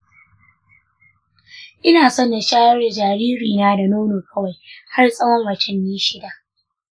ina son na shayar da jaririna da nono kawai har tsawon watanni shida.